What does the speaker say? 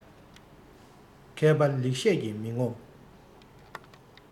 མཁས པ ལེགས བཤད ཀྱིས མི ངོམས